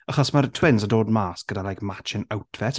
Achos mae'r twins yn dod mas gyda like matching outfits.